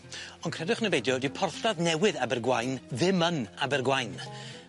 On' credwch ne' beidio dyw porthladd newydd Abergwaun ddim yn Abergwaun.